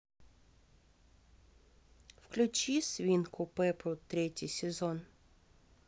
включи свинку пеппу третий сезон